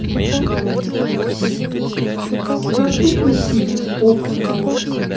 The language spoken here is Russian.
доступные фильмы оптима